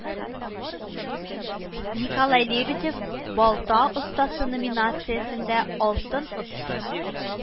Николай Лебедев балта остасы номинациясендә алтын отты